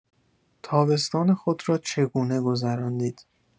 تابستان خود را چگونه گذراندید؟